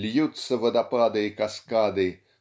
Льются водопады и каскады